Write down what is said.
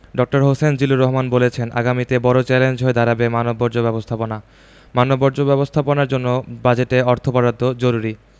ড হোসেন জিল্লুর রহমান বলেছেন আগামীতে বড় চ্যালেঞ্জ হয়ে দাঁড়াবে মানববর্জ্য ব্যবস্থাপনা মানববর্জ্য ব্যবস্থাপনার জন্য বাজেটে অর্থ বরাদ্দ জরুরি